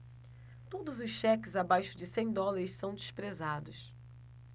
todos os cheques abaixo de cem dólares são desprezados